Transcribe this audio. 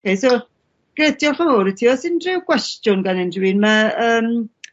Oce so, grêt dioch yn fowr i ti. O's unryw gwestiwn gan unrhyw un? Ma' yym